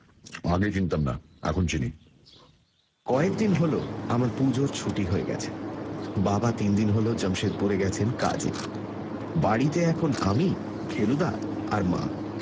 আগে চিনতাম না এখন চিনি কয়েকদিন হল আমার পুজোর ছুটি হয়ে গেছে বাবা তিনদিন হল জামসেদপুরে গেছেন কাজে বাড়িতে এখন আমি ফেলুদা আর মা